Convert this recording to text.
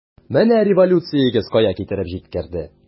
Менә революциягез кая китереп җиткерде!